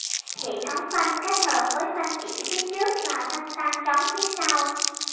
hệ thống phanh kết hợp với phanh đĩa phía trước và phanh tang trống phía sau